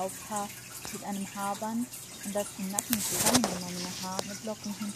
und das im Nacken zusammen genommene Haar mit Locken hinter den Ohren rekonstruiert werden